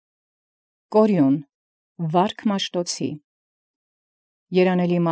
Կորյուն Վարք Մաշտոցի երանելի։